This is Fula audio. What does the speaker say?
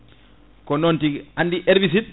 ko noon tigui andi herbicide